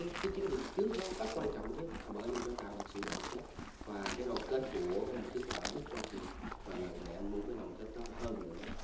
khi các chiến dịch trước đó rất quan trọng nhất là bởi vì nó tạo được sự đoàn kết và đoàn kết của cái lần trước là ở nước hoa kỳ và lần này anh muốn đoàn kết hơn nữa